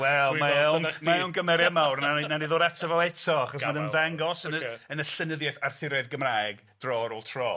Wel, mae o'n mae o'n gymeriad mawr, wnawn ni wnawn ni ddod ato fo eto achos mae o'n ddangos yn y yn y llenyddiaeth Arthuraidd Gymraeg dro ar ôl tro.